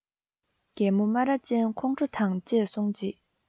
རྒད པོ སྨ ར ཅན ཁོང ཁྲོ དང བཅས སོང རྗེས